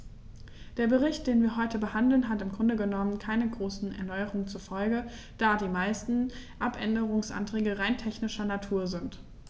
Der Bericht, den wir heute behandeln, hat im Grunde genommen keine großen Erneuerungen zur Folge, da die meisten Abänderungsanträge rein technischer Natur sind.